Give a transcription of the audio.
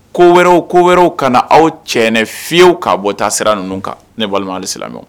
Ko wɛrɛw ko wɛrɛw kana na aw cɛɛnɛ fiyew'a bɔ taa sira ninnu kan ne balima silamɛ